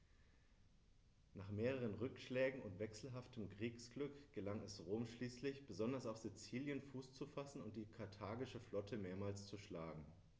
Nach mehreren Rückschlägen und wechselhaftem Kriegsglück gelang es Rom schließlich, besonders auf Sizilien Fuß zu fassen und die karthagische Flotte mehrmals zu schlagen.